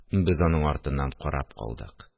Без аның артыннан карап калдык